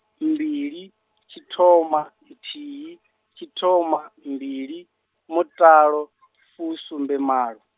mmbili, tshithoma nthihi, tshithoma mbili, mutalo, fusumbemalo.